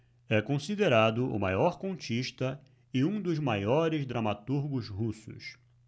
é considerado o maior contista e um dos maiores dramaturgos russos